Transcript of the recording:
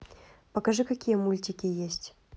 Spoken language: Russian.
покажи какие мультики есть